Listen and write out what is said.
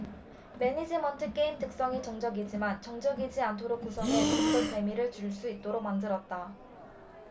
매니지먼트 게임 특성이 정적이지만 정적이지 않도록 구성해 좀 더 재미를 줄 수 있도록 만들었다